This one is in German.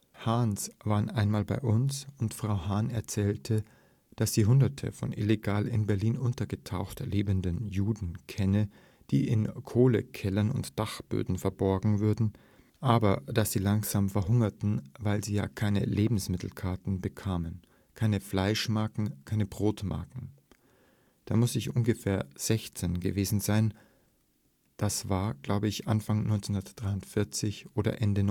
Hahns waren einmal bei uns, und Frau Hahn erzählte, dass sie Hunderte von illegal in Berlin untergetaucht lebenden Juden kenne, die in Kohlekellern und Dachböden verborgen würden, aber dass sie langsam verhungerten, weil sie ja keine Lebensmittelkarten bekamen, keine Fleischmarken, keine Brotmarken. Da muss ich ungefähr 16 gewesen sein, das war, glaube ich, Anfang 1943 oder Ende